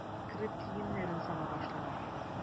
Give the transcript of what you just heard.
Кереп киемнәрен сала башлыйлар.